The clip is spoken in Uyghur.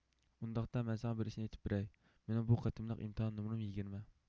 ئۇنداقتا مەن ساڭا بىر ئىشنى ئېيتىپ بېرەي مېنىڭ بۇ قېتىمقى ئىمتىھان نومۇرۇم يىگىرمە